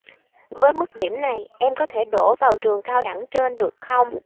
với mức điểm này em có thể đỗ vào trường cao đẳng trên được không